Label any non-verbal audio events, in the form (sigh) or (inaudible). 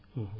(hesitation) (hesitation)